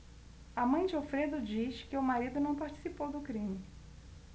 a mãe de alfredo diz que o marido não participou do crime